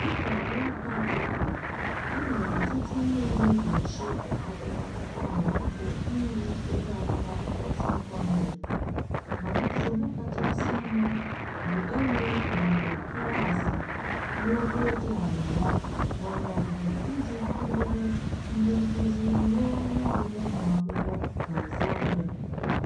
Dika World Bank kwuru, e nwere ọtụtụ ihe na-egbochi agụmakwụkwọ ụmụakwụkwọ irụ ogo agụmakwụkwọ sekọndrị mana nsogbu kachasị nụ bụ enweghị ohere klaasị n'ogo dị ala ya na ọnụọgụgụ iji tụnyere ndị nkụzi ruo ọnụọgụgụ ụmụakwụkwọ na Zambia